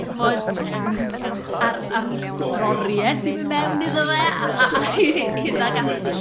Chimod, yym, ga- ga- a'r a'r yr oriau sy mewn iddo fe a a hyn ac ati.